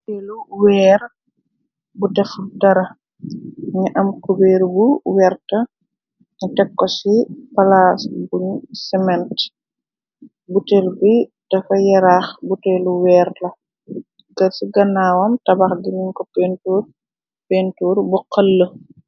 Buteelu weer bu dafa dara ni am kubeer bu weerta ni tekko ci palaas buñ siment butel bi dafa yaraax butelu weer la kër ci ganaawam tabax diniñ ko pentur bu xëll.